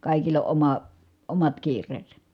kaikilla on oma omat kiireensä